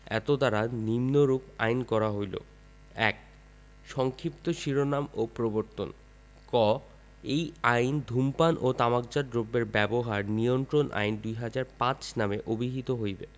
এতদ্বারা নিম্নরূপ আইন করা হইল ১ সংক্ষিপ্ত শিরোনাম ও প্রবর্তনঃ ১ এই অঅইন ধূমপান ও তামাকজাত দ্রব্য ব্যবহার নিয়ন্ত্রণ আইন ২০০৫ নামে অভিহিত হইবে